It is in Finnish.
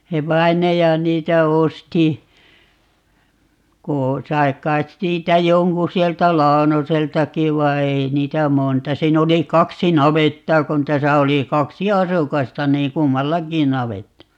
se vainaja niitä osti kun sai kai siitä jonkun sieltä Launoseltakin vai ei niitä monta siinä oli kaksi navettaa kun tässä oli kaksi asukasta niin kummallakin navetta